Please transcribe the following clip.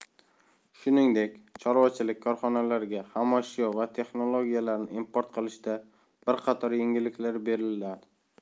shuningdek chorvachilik korxonalariga xomashyo va texnologiyalarni import qilishda bir qator yengilliklar beriladi